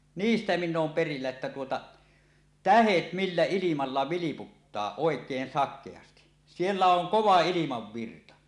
niistä minä olen perillä että tuota tähdet millä ilmalla vilputtaa oikein sakeasti siellä on kova ilmavirta